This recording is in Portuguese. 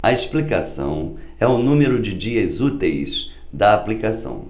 a explicação é o número de dias úteis da aplicação